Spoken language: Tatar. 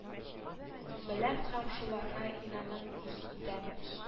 Беләм һәм шуларга инанам үз итәм